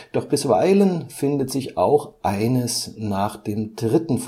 doch bisweilen findet sich auch eines nach 3.